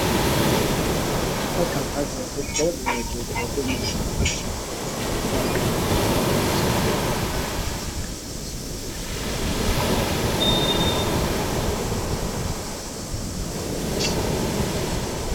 Waa meel banaan oo waxaa Isku imaaday naago